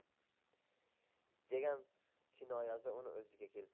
degan kinoyasi uni o'ziga keltirdi